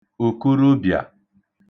òkorobịà